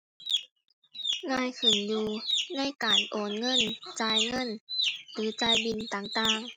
ง่ายขึ้นอยู่ในการโอนเงิน จ่ายเงิน หรือจ่ายบิลต่างต่าง